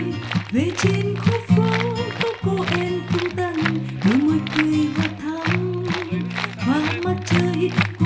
đôi môi cười hoa thắm và mặt trời của miền nhiệt đới trên vai em buông chân